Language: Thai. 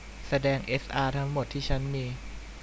แสดงเอสอาทั้งหมดที่ฉันมี